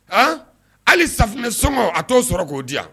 Han, hali safunɛ sɔngɔ a t'o sɔrɔ k'o di yan